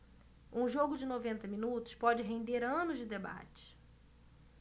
um jogo de noventa minutos pode render anos de debate